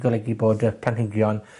golygu bod y planhigion